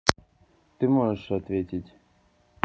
ты можешь ответить